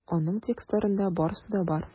Аның текстларында барысы да бар.